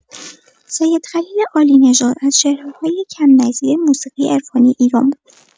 سید خلیل عالی‌نژاد از چهره‌های کم‌نظیر موسیقی عرفانی ایران بود؛